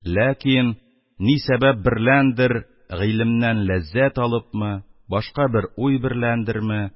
Ләкин, ни сәбәпберләндер, гыйлемнән ләззәт алыпмы, башка бер уй берләндерме